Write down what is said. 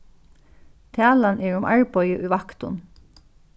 talan er um arbeiði í vaktum